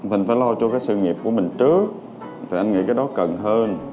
mình phải lo cho cái sự nghiệp của mình trước thì anh nghĩ cái đó cần hơn